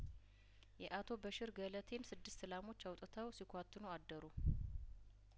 የአቶ በሽር ገለቴን ስድስት ላሞች አውጥተው ሲኳትኑ አደሩ